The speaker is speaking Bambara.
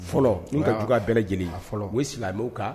Fɔlɔ n'u ka dug bɛɛ lajɛlen fɔlɔ u silamɛ'w kan